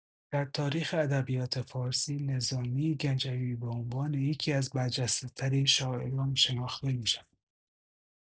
در تاریخ ادبیات فارسی، نظامی‌گنجوی به عنوان یکی‌از برجسته‌ترین شاعران شناخته می‌شود.